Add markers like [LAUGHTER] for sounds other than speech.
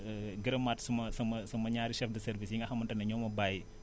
[HESITATION] gërëmaat suma sama sama ñaari chefs de services yi nga xamante ne ñoo ma bàyyi